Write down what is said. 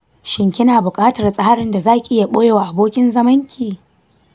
shin kina buƙatar tsarin da za ki iya ɓoye wa abokin zamanki?